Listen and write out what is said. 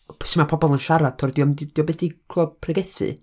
sut ma' pobl yn siarad, ho- r- 'di o'm, 'di o byth 'di clywad pregethu...